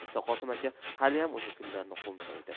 shoqosim aka haliyam o'sha kunlarini qo'msaydi